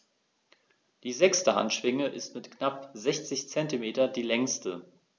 Die sechste Handschwinge ist mit knapp 60 cm die längste.